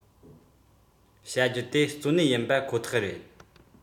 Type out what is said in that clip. གྲོང ཁྱེར ཐུབ ཁོ ཐག ནས ཞིང ཞོར ཐོན རྫས ཀྱི རིན གོང བྱུང བའི འཕར ཆག ཆེན པོ ཡོང སྲིད པ རེད